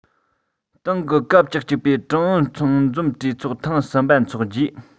ཏང གི སྐབས བཅུ གཅིག པའི ཀྲུང ཨུ ཚང འཛོམས གྲོས ཚོགས ཐེངས གསུམ པ འཚོགས རྗེས